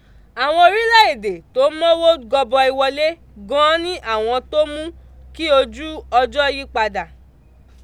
Àwọn orílẹ̀ èdè tó ń mówó gọbọi wọlé gan an ni àwọn tó mú kí ojú ọjọ́ yí padà.